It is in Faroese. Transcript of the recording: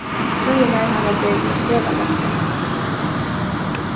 køirnar hava verið sera langar